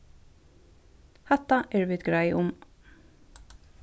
hatta eru vit greið um